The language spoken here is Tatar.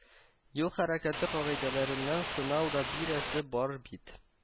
Юл хәрәкәте кагыйдәләреннән сынау да бирәсе бар бит